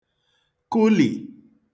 kụlì